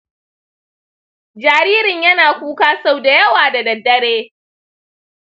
jaririn yana kuka sau da yawa da dare.